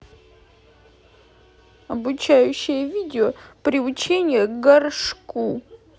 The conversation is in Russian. обучающее видео приучение к горшку